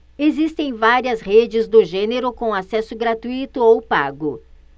existem várias redes do gênero com acesso gratuito ou pago